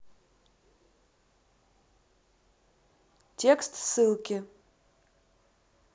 текст ссылки